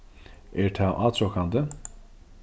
er tað átrokandi